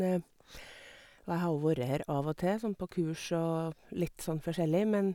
Og jeg har jo vorre her av og til sånn på kurs og litt sånn forskjellig, men...